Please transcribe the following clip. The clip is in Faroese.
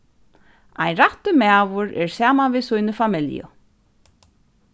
ein rættur maður er saman við síni familju